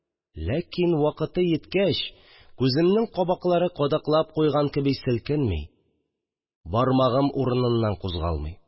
Ләкин вакыты йиткәч, күземнең кабаклары кадаклап куйган кеби селкенми, бармагым урыныннан кузгалмый